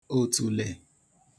òtùlè